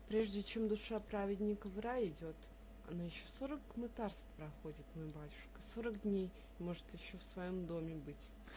-- Прежде чем душа праведника в рай идет -- она еще сорок мытарств проходит, мой батюшка, сорок дней, и может еще в своем доме быть.